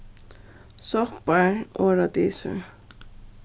soppar og radisur